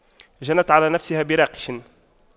جنت على نفسها براقش